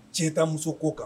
Cɛ tan muso ko kan